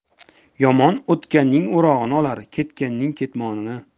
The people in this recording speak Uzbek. yomon o'tganning o'rog'ini olar ketganning ketmonini